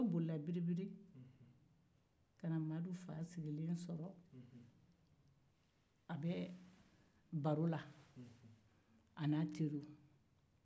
dɔ bolila biribiri ka na madu fa n'a teriw sigilen sɔrɔ baro la